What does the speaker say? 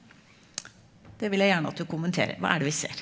det vil jeg gjerne at du kommenterer, hva er det vi ser?